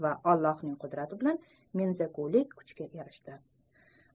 va allohning qudrati bilan mengzagulik kuchga erishdi